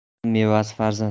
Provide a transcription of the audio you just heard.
odam mevasi farzand